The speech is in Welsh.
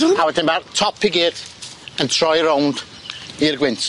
A wedyn ma'r top i gyd yn troi rownd i'r gwynt.